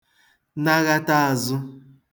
nayata āzụ̄